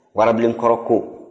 warabilenkɔrɔ ko